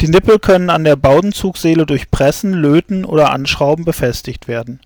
Die Nippel können an der Bowdenzugseele durch Pressen, Löten oder Anschrauben befestigt werden.